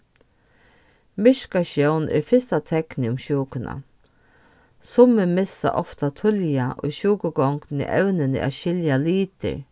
myrkasjón er fyrsta teknið um sjúkuna summi missa ofta tíðliga í sjúkugongdini evnini at skilja litir